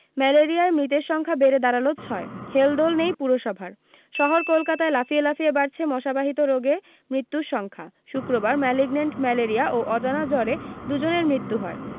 ম্যালেরিয়ায় মৃতের সংখ্যা বেড়ে দাঁড়ালো ছয় হেলদোল নেই পুরসভার শহর কলকাতায় লাফিয়ে লাফিয়ে বাড়ছে মশাবাহিত রোগে মৃত্যুর সংখ্যা শুক্রবার ম্যালিগন্যান্ট ম্যালেরিয়া ও অজানা জরে দুজনের মৃত্যু হয়